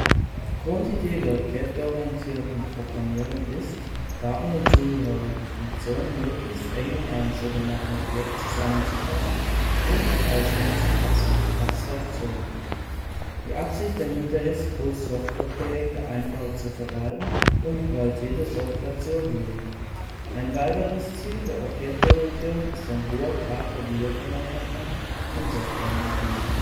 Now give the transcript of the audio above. Grundidee der objektorientierten Programmierung ist, Daten und zugehörige Funktionen möglichst eng in einem sogenannten Objekt zusammenzufassen und nach außen hin zu kapseln (Abstraktion). Die Absicht dahinter ist, große Softwareprojekte einfacher zu verwalten und die Qualität der Software zu erhöhen. Ein weiteres Ziel der Objektorientierung ist ein hoher Grad der Wiederverwendbarkeit von Softwaremodulen